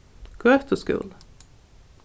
gøtu skúli